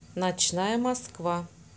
ночная москва